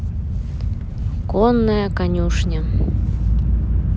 конная конюшня